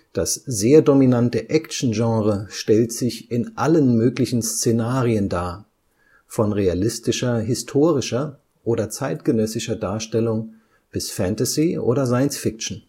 Das sehr dominante Action-Genre stellt sich in allen möglichen Szenerien dar, von realistischer historischer oder zeitgenössischer Darstellung bis Fantasy oder Science-Fiction